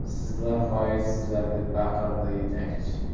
sizlar xoinlarsizlar deb baqirdi yetakchi